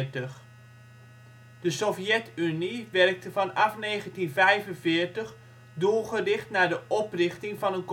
De Sovjet-Unie werkte vanaf 1945 doelgericht naar de oprichting van